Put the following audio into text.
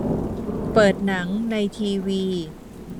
เปิดหนังในทีวี